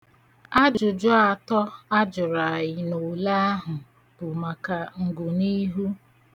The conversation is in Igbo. Ajụjụ atọ ajụrụ anyị n'ule ahụ bụ maka ngụniihu.